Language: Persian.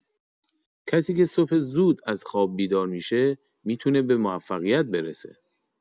کسی که صبح زود از خواب بیدار می‌شه می‌تونه به موفقیت برسه.